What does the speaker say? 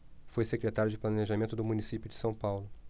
foi secretário de planejamento do município de são paulo